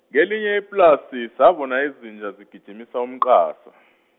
kelinye iplasi sibona izinja zigijimisa umqasa.